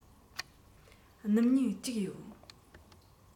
སྣུམ སྨྱུག གཅིག ཡོད